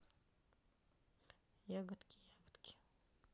ягодки ягодки